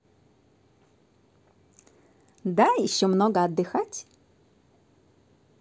да еще много отдыхать